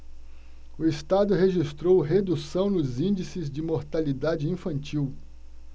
o estado registrou redução nos índices de mortalidade infantil